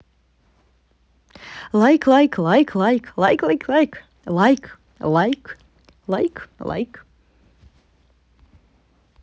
лайк лайк лайк лайк лайк лайк лайк лайк лайк лайк лайк